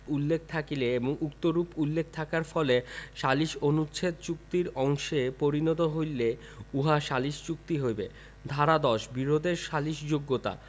উল্লেখ থাকিলে এবং উক্তরূপ উল্লেখ থাকার ফলে সালিস অনুচ্ছেদ চুক্তির অংশে পরিণত হইলে উহা সালিস চুক্তি হইবে ধারা ১০ বিরোধের সালিসযোগ্যতা